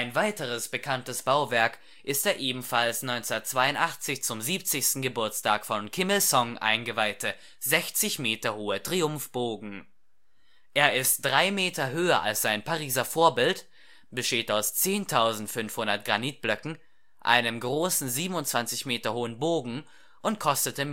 weiteres bekanntes Bauwerk ist der ebenfalls 1982 zum 70. Geburtstag von Kim Il-sung eingeweihte 60 Meter hohe Triumphbogen. Er ist drei Meter höher als sein Pariser Vorbild, besteht aus 10.500 Granitblöcken, einem großen 27 Meter hohen Bogen und kostete